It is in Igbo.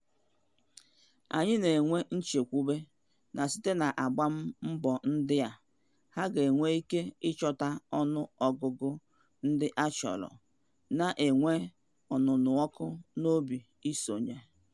Anyị na-enwe nchekwube na site na agbamụmbọ ndị a, ha ga-enwe ike ịchọta ọnụ ọgụgụ ndị achọrọ na-enwe ọnụnụ ọkụ n'obi ị sonye.